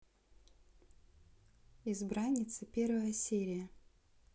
избранница первая серия